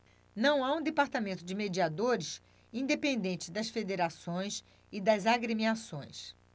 não há um departamento de mediadores independente das federações e das agremiações